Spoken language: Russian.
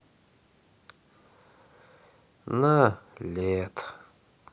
на лед